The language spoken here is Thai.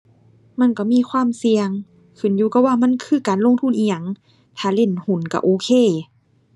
มันก็มีความเสี่ยง ขึ้นอยู่กับว่ามันคือการลงทุนอิหยัง ถ้าเล่นหุ้นก็โอเค